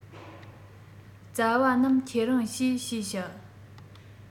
ཙ བ རྣམས ཁྱེད རང བྱོས ཞེས བཤད